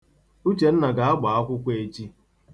Uchenna ga-agba akwụkwọ echi.